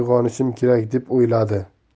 uyg'onishim kerak deb o'yladi